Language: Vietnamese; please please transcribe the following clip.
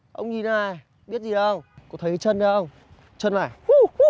ông nhìn đây này biết gì không có thấy chân không chân này